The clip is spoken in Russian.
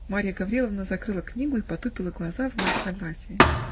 Марья Гавриловна закрыла книгу и потупила глаза в знак согласия.